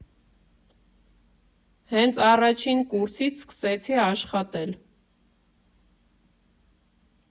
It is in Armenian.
Հենց առաջին կուրսից սկսեցի աշխատել։